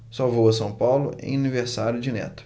só vou a são paulo em aniversário de neto